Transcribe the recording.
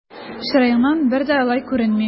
Чыраеңнан бер дә алай күренми!